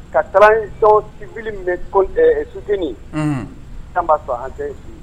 Ka transition civile mun be soutenu an ba sɔrɔ an tɛ.